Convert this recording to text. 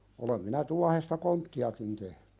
olen minä tuohesta konttiakin tehnyt